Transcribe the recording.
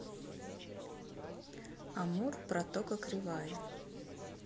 амур протока кривая